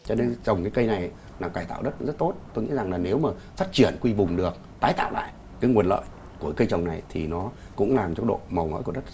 cho nên trồng cái cây này ấy là cải tạo đất rất tốt tôi nghĩ rằng là nếu mà phát triển quy vùng được tái tạo lại cái nguồn lợi của cây trồng này thì nó cũng làm cho độ mầu mỡ của đất